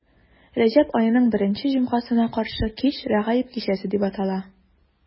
Рәҗәб аеның беренче җомгасына каршы кич Рәгаиб кичәсе дип атала.